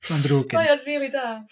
Mae'n ddrwg gen i... Mae o'n rili da.